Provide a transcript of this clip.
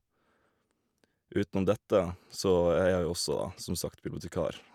Utenom dette så er jeg jo også, da, som sagt, bibliotekar.